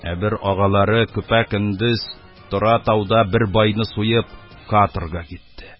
Ә бер агалары, көпә-көндез Тора тауда бер байны суеп, катрга китте..